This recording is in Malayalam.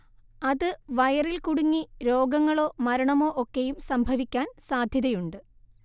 അത് വയറിൽ കുടുങ്ങി രോഗങ്ങളോ മരണമോ ഒക്കെയും സംഭവിക്കാൻ സാധ്യതയുണ്ട്